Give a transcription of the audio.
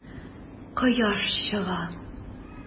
Кояш чыга.